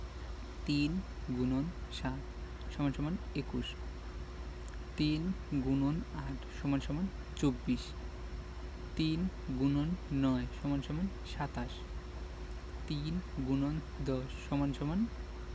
৩ × ৭ = ২১ ৩ X ৮ = ২৪ ৩ X ৯ = ২৭ ৩ ×১০ =